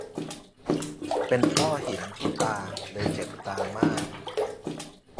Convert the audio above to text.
เป็นต้อหินที่ตาเลยเจ็บตามาก